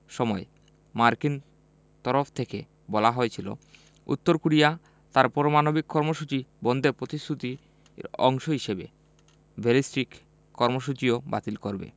সময় মার্কিন তরফ থেকে বলা হয়েছিল উত্তর কোরিয়া তার পরমাণবিক কর্মসূচি বন্ধে প্রতিশ্রুতি অংশ হিসেবে ব্যালিস্টিক কর্মসূচিও বাতিল করবে